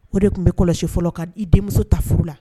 O de tun bɛ kɔlɔsi fɔlɔ ka i denmuso ta furu la